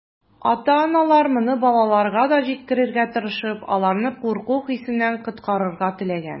Ата-аналар, моны балаларга да җиткерергә тырышып, аларны курку хисеннән коткарырга теләгәннәр.